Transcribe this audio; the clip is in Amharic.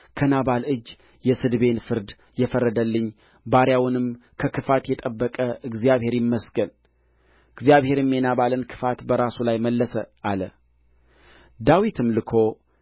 ከናባል እጅ የስድቤን ፍርድ የፈረደልኝ ባሪያውንም ከክፋት የጠበቀ እግዚአብሔር ይመስገን እግዚአብሔርም የናባልን ክፋት በራሱ ላይ መለሰ አለ ዳዊትም ልኮ